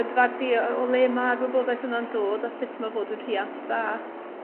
yn dy farn di yy o le ma'r wybodaeth yna'n dod a sut ma' fod yn rhiant da?